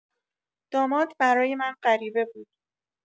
داماد برای من غریبه بود.